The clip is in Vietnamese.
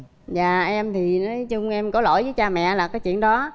dạ em thì nói chung em có lỗi với cha mẹ là cái chuyện đó